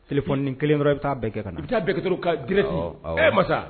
Tilef ni kelen yɔrɔ i bɛ taa bɛɛ kɛ kan na i bɛ taa bɛɛt ka g ɛɛ masa